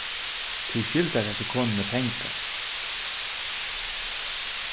tú skyldar hasi konuni pengar